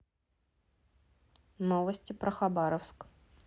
новости про хабаровск